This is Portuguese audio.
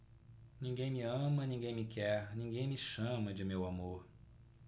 ninguém me ama ninguém me quer ninguém me chama de meu amor